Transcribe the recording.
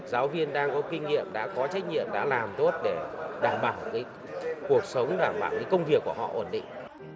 giáo viên đang có kinh nghiệm đã có trách nhiệm đã làm tốt để đảm bảo cái cuộc sống đảm bảo cái công việc của họ ổn định